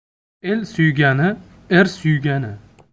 el suygani er suygani